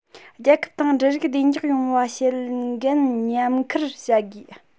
རྒྱལ ཁབ དང འབྲུ རིགས བདེ འཇགས ཡོང བ བྱེད འགན མཉམ འཁུར བྱ དགོས